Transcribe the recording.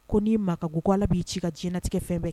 Ko n'i ma ka g ko ala b'i ci ka diɲɛɲɛnatigɛ fɛn bɛɛ kɛ